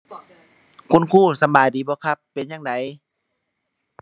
คุณครูสำบายดีบ่ครับ เป็นจั่งใด